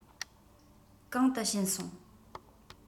གང དུ ཕྱིན སོང